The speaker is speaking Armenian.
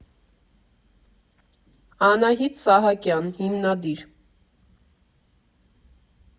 ԱՆԱՀԻՏ ՍԱՀԱԿՅԱՆ, հիմնադիր։